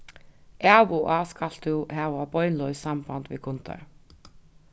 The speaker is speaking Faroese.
av og á skalt tú hava beinleiðis samband við kundar